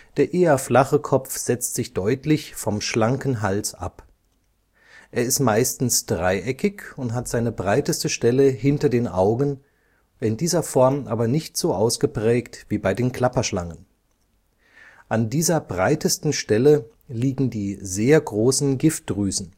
Der eher flache Kopf setzt sich deutlich vom schlanken Hals ab. Er ist meistens dreieckig und hat seine breiteste Stelle hinter den Augen, in dieser Form aber nicht so ausgeprägt wie bei den Klapperschlangen. An dieser breitesten Stelle liegen die sehr großen Giftdrüsen